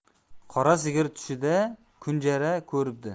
qora sigir tushida kunjara ko'ribdi